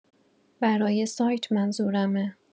برای سایت منظورمه